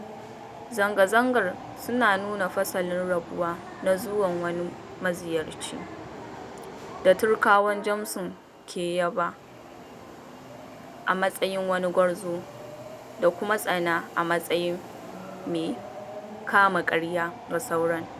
Zanga-zangar suna nuna fasalin rabuwa na zuwan wani maziyarci da Turkawan Jamus ke yaba a matsayin wani gwarzo da kuma tsana a matsayin mai-kama-karya ga sauran.